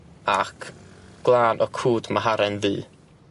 ac gwlan o cwd Maharen Ddu.